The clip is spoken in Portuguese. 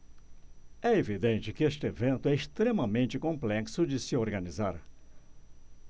é evidente que este evento é extremamente complexo de se organizar